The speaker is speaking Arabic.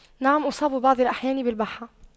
نعم اصاب بعض الأحيان بالبحة